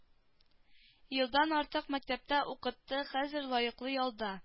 Елдан артык мәктәптә укытты хәзер лаеклы ялда